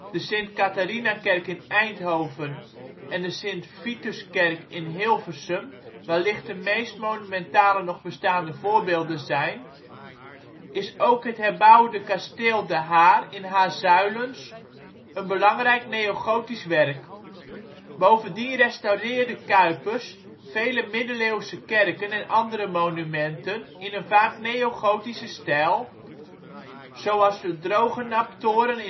de Sint-Catharinakerk in Eindhoven en de Sint-Vituskerk in Hilversum wellicht de meest monumentale nog bestaande voorbeelden zijn, is ook het herbouwde kasteel de Haar in Haarzuilens een belangrijk neogotisch werk. Bovendien restaureerde Cuypers vele middeleeuwse kerken en andere monumenten in een vaak neogotische stijl, zoals de Drogenaptoren